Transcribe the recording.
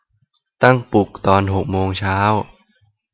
ตั้งปลุกตอนหกโมงเช้า